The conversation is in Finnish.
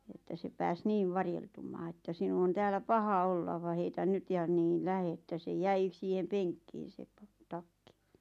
että se pääsi niin varjeltumaan että sinun on täällä paha olla vaan heitä nyt ja niin lähde että se jäi siihen penkkiin se - takki